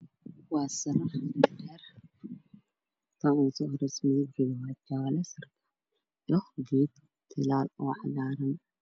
Waxaa ii muuqda guri dabaq oo weyn iyo geed cagaar oo tallaal ah